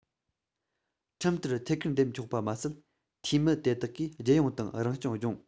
ཁྲིམས ལྟར ཐད ཀར འདེམས ཆོག པ མ ཟད འཐུས མི དེ དག གིས རྒྱལ ཡོངས དང རང སྐྱོང ལྗོངས